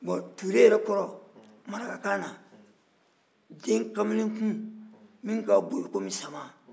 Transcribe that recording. bon ture yɛrɛ kɔrɔ marakakan na kamalenkun min ka bon i ko sama